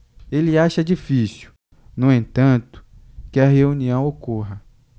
ele acha difícil no entanto que a reunião ocorra